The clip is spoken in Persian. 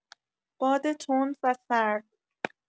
باد تند و سرد